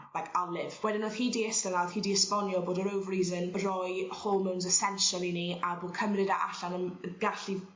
Like I'll live. Wedyn o'dd hi 'di iste lawr hi 'di esbonio bod yr ofaris yn roi hormones essential i ni a bod cymryd e allan yn gallu